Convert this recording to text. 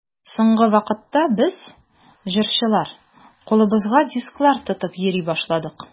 Соңгы вакытта без, җырчылар, кулыбызга дисклар тотып йөри башладык.